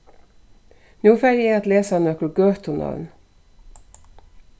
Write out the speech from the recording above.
nú fari eg at lesa nøkur gøtunøvn